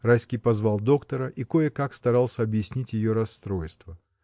Райский позвал доктора и кое-как старался объяснить ее расстройство.